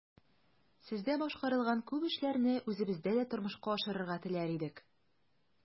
Сездә башкарылган күп эшләрне үзебездә дә тормышка ашырырга теләр идек.